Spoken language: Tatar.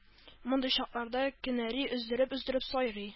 Мондый чакларда кенәри өздереп-өздереп сайрый